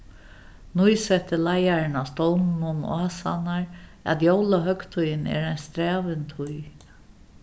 nýsetti leiðarin á stovninum ásannar at jólahøgtíðin er ein strævin tíð